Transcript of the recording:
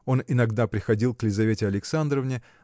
Он иногда приходил к Лизавете Александровне